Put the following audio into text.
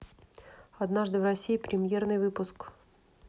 однажды в россии премьерный выпуск